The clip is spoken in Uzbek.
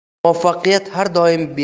katta muvaffaqiyat har doim